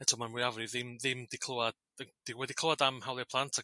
eto ma'r mwyaf ddim ddim 'di clywad di- dim wedi clwad am hawlia' plant ac